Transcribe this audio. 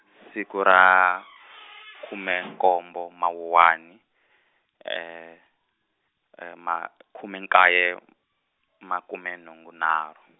siku ra khume nkombo Mawuwani makhume nkaye, makume nhungu nharhu.